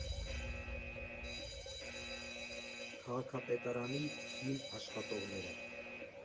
Քաղաքապետարանի հին աշխատողները։